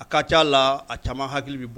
A ka ca a la a caman hakili bɔ